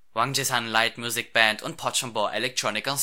Wangjaesan Light Music Band und Pochonbo Electronic